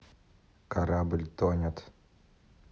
корабль тонет